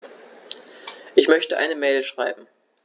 Ich möchte eine Mail schreiben.